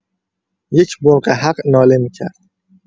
یک مرغ‌حق ناله می‌کرد.